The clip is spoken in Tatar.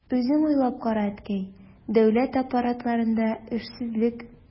Үзең уйлап кара, әткәй, дәүләт аппаратларында эшсезлек...